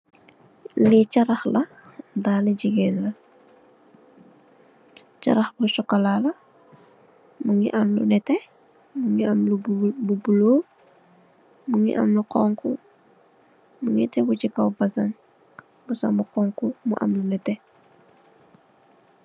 Li carax la, dalli jigeen la, carax bu sokola la mugii am lu netteh, mugii am lu bula, mugii am lu xonxu, mugii tégu ci kaw basañ, basañ bu xonxu mu am lu netteh.